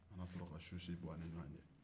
an na sɔrɔ ka susi don an ni ɲɔgɔn cɛ